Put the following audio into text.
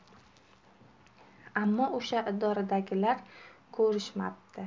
ammo o'sha idoradagilar ko'nishmabdi